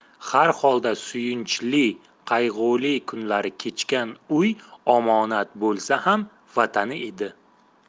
har holda suyunchli qayg'uli kunlari kechgan uy omonat bo'lsa ham vatani edi